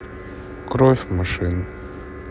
кровь машин